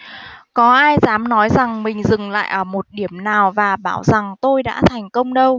có ai dám nói rằng mình dừng lại ở một điểm nào và bảo rằng tôi đã thành công đâu